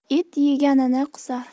it yeganini qusar